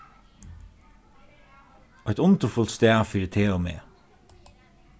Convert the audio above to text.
eitt undurfult stað fyri teg og meg